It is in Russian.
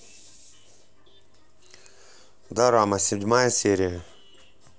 дорама седьмая серия